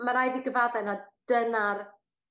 Mae raid fi gyfadde na dyna'r